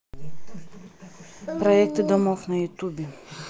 проекты домов на ютубе